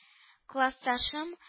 - классташым